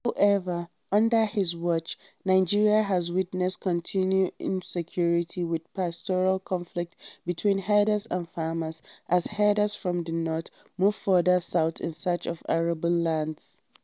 However, under his watch, Nigeria has witnessed continued insecurity with pastoral conflicts between herders and farmers as herders from the north move further south in search of arable lands.